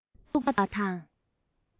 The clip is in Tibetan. བག ཆགས འཐུག པ དང